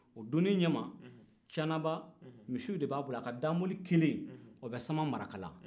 o don kama canaba misiw de b'a bolo a ka damoli kelen o bɛ saman marakala